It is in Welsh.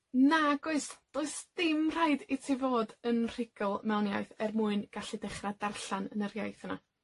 Nag oes, does dim rhaid i ti fod yn rhugl mewn iaith er mwyn gallu dechra darllan yn yr iaith yna.